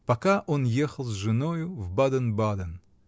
пока он ехал с женою в Баден-Баден.